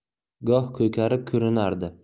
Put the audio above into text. goh ko'karib ko'rinardi